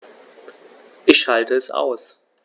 Ich schalte es aus.